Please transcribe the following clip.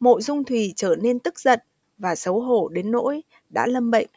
mộ dung thùy trở nên tức giận và xấu hổ đến nỗi đã lâm bệnh